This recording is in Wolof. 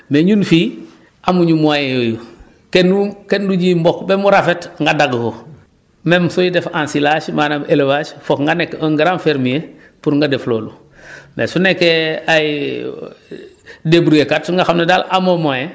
mais ñun fii amuñu moyens yooyu kenn kenn du ji mboq ba mu rafet nga dagg ko même sooy def ensilage maanaam élevage foog nga nekk un grand fermier pour def loolu mais su nekkee ay débouillé kat su nga xam ne daal amoo moyens